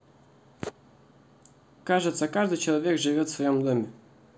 кажется каждый человек живет в своем доме